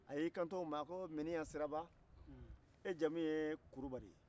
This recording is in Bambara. a y'i kanto o ma ko miniɲan siraba e jamu ye kurubali